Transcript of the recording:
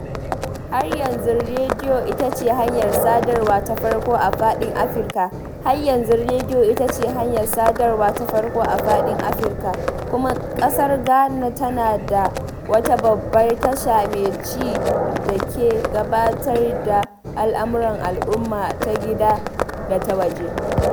Har yanzu rediyo ita ce hanyar sadarwa ta farko a faɗin Afirka, Har yanzu rediyo ita ce hanyar sadarwa ta farko a faɗin Afirka, kuma ƙasar Ghana tana da wata babbar tasha mai ci da ke gabatar da mu’amalar al’umma ta gida da ta waje.